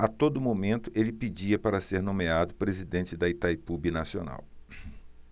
a todo momento ele pedia para ser nomeado presidente de itaipu binacional